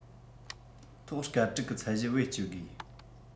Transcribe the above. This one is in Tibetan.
ཐོག སྐར དྲུག གི ཚད གཞི བེད སྤྱོད དགོས